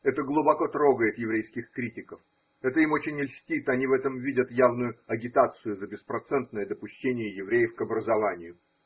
Это глубоко трогает еврейских критиков, это им очень льстит, они в этом видят явную агитацию за беспроцентное допущение евреев к образованию.